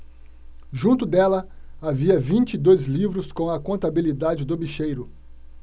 junto dela havia vinte e dois livros com a contabilidade do bicheiro